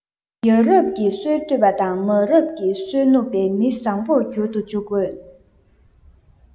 ཡ རབས ཀྱི སྲོལ བཏོད པ དང མ རབས ཀྱི སྲོལ བསྣུབས པའི མི བཟང བོར འགྱུར དུ འཇུག དགོས